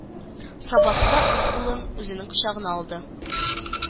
Сабасы да үз улын үзенең кочагына алды